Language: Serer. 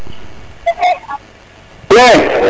me